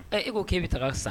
Ɛ e ko k' e bɛ taa sa